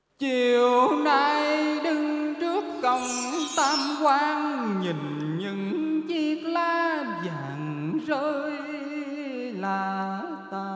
chiều nay đứng trước cổng tam quan nhìn những chiếc lá vàng rơi lả tả